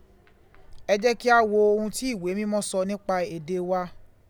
Ẹ jẹ́ kí a wo ohun tí Ìwé Mímọ́ sọ nípa èdè wa